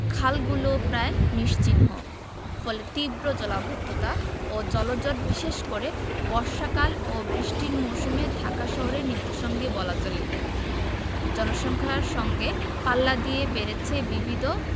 খালগুলোও প্রায় নিশ্চিহ্ন ফলে তীব্র জলাবদ্ধতা ও জলজট বিশেষ করে বর্ষাকাল ও বৃষ্টির মৌসুমে ঢাকা শহরের নিত্যসঙ্গী বলা চলে জনসংখ্যার সঙ্গে পাল্লা দিয়ে বেড়েছে বিবিধ